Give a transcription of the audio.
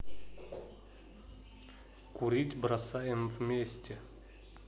курить бросаем вместе